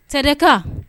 Serika